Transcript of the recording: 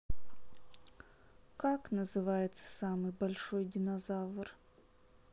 как называется самый большой динозавр